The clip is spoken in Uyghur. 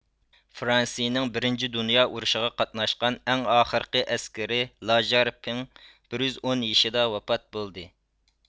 فرانسىيىنىڭ بىرىنچى دۇنيا ئۇرۇشىغا قاتناشقان ئەڭ ئاخىرقى ئەسكىرى لاژار پېڭ بىر يۈز ئون يېشىدا ۋاپات بولدى